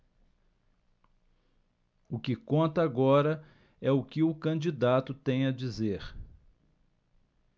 o que conta agora é o que o candidato tem a dizer